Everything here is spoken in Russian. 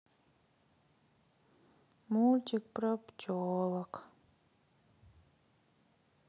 мультик про пчелок